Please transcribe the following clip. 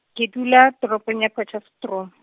ke dula toropong ya Potchefstroom.